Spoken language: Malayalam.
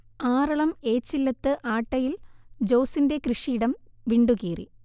ആറളം ഏച്ചില്ലത്ത് ആട്ടയിൽ ജോസിന്റെ കൃഷിയിടം വിണ്ടുകീറി